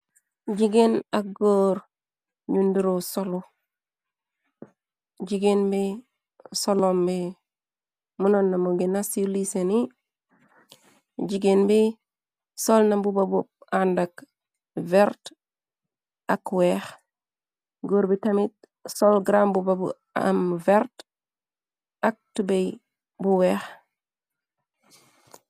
Jigéen ak góor ñu ndiroo solu jigéen bi solom be mënoon namu gi naci liisé ni jigéen bi sol na bu ba bo àndak verde ak weex gór bi tamit sol gran bu ba bu am vert ak tubey bu weex.